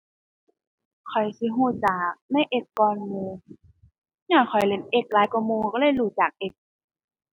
ข้อยสิรู้จากใน X ก่อนหมู่ ญ้อนข้อยเล่น X หลายกว่าหมู่รู้เลยรู้จาก X